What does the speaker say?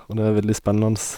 Og det er veldig spennende.